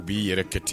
U b'i yɛrɛ kɛ ten